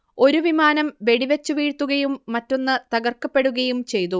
ഒരു വിമാനം വെടിവെച്ചു വീഴ്ത്തുകയും മറ്റൊന്ന് തകർക്കപ്പെടുകയും ചെയ്തു